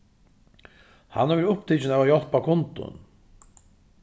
hann hevur verið upptikin av at hjálpa kundum